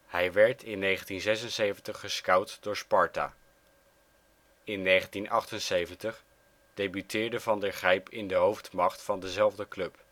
Hij werd in 1976 gescout door Sparta. In 1978 debuteerde Van der Gijp in de hoofdmacht van dezelfde club